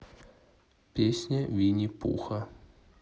песня винни пуха